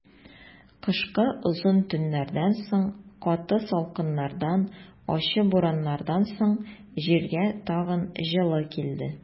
Кышкы озын төннәрдән соң, каты салкыннардан, ачы бураннардан соң җиргә тагын җылы килде.